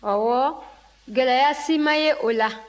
ɔwɔ gɛlɛya si ma ye o la